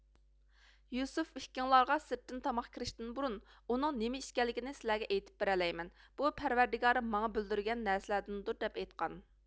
يۈسۈف ئىككىڭلارغا سىرتتىن تاماق كىرىشتىن بۇرۇن ئۇنىڭ نېمە ئىكەنلىكىنى سىلەرگە ئېيتىپ بېرەلەيمەن بۇ پەرۋەردىگارىم ماڭا بىلدۈرگەن نەرسىلەردىندۇر دەپ ئېيىتقان